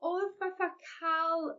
o'dd fatha ca'l